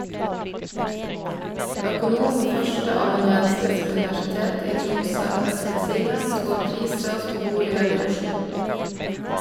Økonom og førsteamanuensis ved Universitetet i Tromsø, Espen Sirnes, spår prisras på boliger i Oslo.